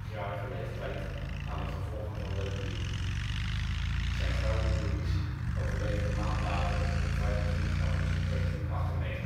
74-jarige leeftijd aan de gevolgen van leukemie. Zijn vrouw Louise overleed een maand later op 25 augustus 1998